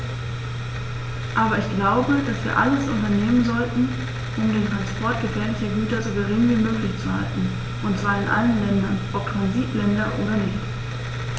Aber ich glaube, dass wir alles unternehmen sollten, um den Transport gefährlicher Güter so gering wie möglich zu halten, und zwar in allen Ländern, ob Transitländer oder nicht.